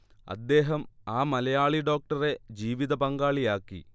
അദ്ദേഹം ആ മലയാളി ഡോക്ടറെ ജീവിതപങ്കാളിയാക്കി